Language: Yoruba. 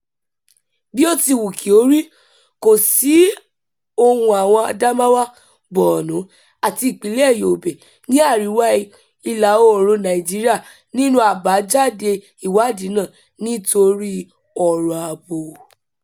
Bí ó ti wù kíó rí, kò sí ohùn àwọn Adamawa, Borno, àti ìpínlẹ̀ Yobe ní àríwá ìlà-oòrùn Nàìjíríà nínú àbájáde ìwádìí náà nítorí ọ̀rọ̀ ààbò.